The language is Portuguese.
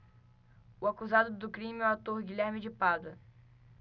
o acusado do crime é o ator guilherme de pádua